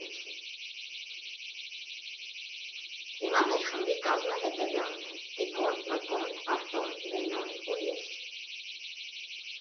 Հիմա մեր խմբի կազմը հետևյալն է՝ Տիկոն, Մկոն, Արտոն, Բենոն ու ես։